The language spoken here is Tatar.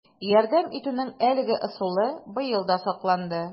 Ярдәм итүнең әлеге ысулы быел да сакланды: